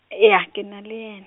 ya, kena le yena.